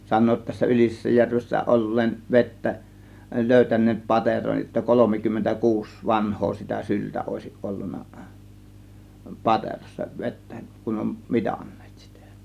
sanovat - tässä Ylisessäjärvessä olleen vettä löytäneet pateron jotta kolmekymmentä kuusi vanhaa sitä syltä olisi ollut paterossa vettä kun on mitanneet sitä